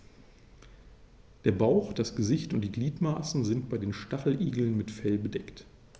Der Bauch, das Gesicht und die Gliedmaßen sind bei den Stacheligeln mit Fell bedeckt.